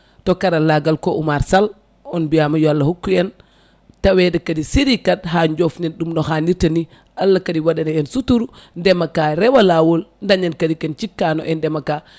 to karallagal ko Oumar Sall on mbiyama yo Allah hokku en tawede kadi série 4 ha jofnen ɗum no hanirta ni Allah kadi waɗa hen suturu ndeemaka rewa lawol daañen kadi ken cikkano e ndeemaka